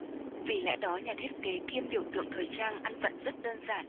vì lẽ đó nhà thiết kế kiêm biểu tượng thời trang ăn vận rất đơn giản